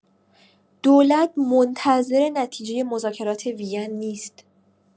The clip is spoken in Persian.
دولت منتظر نتیجه مذاکرات وین نیست.